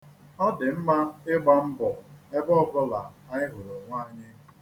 Ọ dị mma ịgba mbọ ebe ọbụla anyị hụrụ onwe anyị.